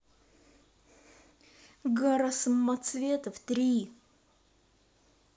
гора самоцветов три